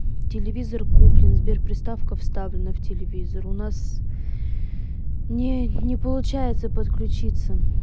телевизор куплен сбер приставка вставлена в телевизор у нас не не получается подключиться